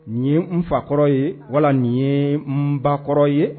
Nin ye nfa kɔrɔ ye wala nin ye mun ba kɔrɔ ye